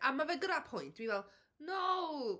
A mae fe gyda pwynt dwi fel "no!"